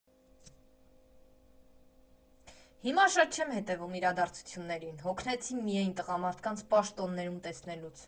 Հիմա շատ չեմ հետևում իրադարձություններին, հոգնեցի միայն տղամարդկանց պաշտոններում տեսնելուց։